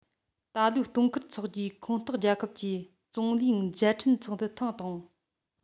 ད ལོའི སྟོན ཁར འཚོག རྒྱུའི ཁོངས གཏོགས རྒྱལ ཁབ ཀྱི ཙུང ལིའི མཇལ འཕྲད ཚོགས འདུ ཐེངས དང པོ